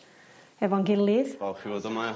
hefo'n gilydd. Falch i bod yma.